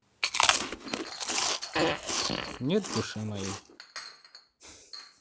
нет души моей